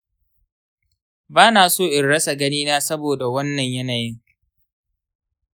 bana so in rasa ganina saboda wannan yanayin.